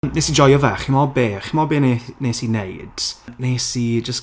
Wnes i joio fe a chi mod be... chi'n mod be ne- nes i eneud... wnes i jyst...